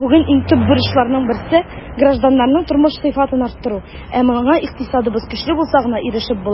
Бүген иң төп бурычларның берсе - гражданнарның тормыш сыйфатын арттыру, ә моңа икътисадыбыз көчле булса гына ирешеп була.